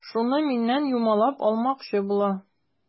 Шуны миннән юмалап алмакчы була.